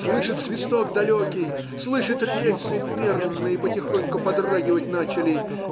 Слышит свисток далекий, слышит, рельсы мерно и потихоньку подрагивать начали.